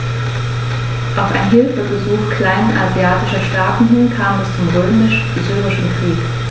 Auf ein Hilfegesuch kleinasiatischer Staaten hin kam es zum Römisch-Syrischen Krieg.